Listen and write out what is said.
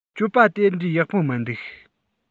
སྤྱོད པ དེ འདྲའི ཡག པོ མི འདུག